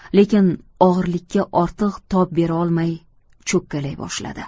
lekin og'irlikka ortiq tob bera olmay cho'kkalay boshladi